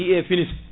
ɗi wiye filtre